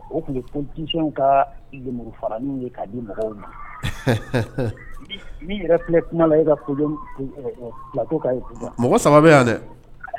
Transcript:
O tun ye kosɔn kamuru farain ye'a di mɔgɔw na n kuma i mɔgɔ saba yan dɛ